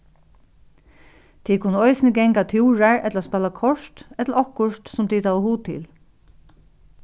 tit kunnu eisini ganga túrar ella spæla kort ella okkurt sum tit hava hug til